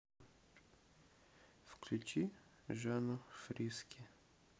включить жанну фриске